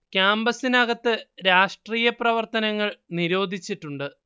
ക്യാമ്പസിന് അകത്ത് രാഷ്ട്രീയ പ്രവർത്തനങ്ങൾ നിരോധിച്ചിട്ടുണ്ട്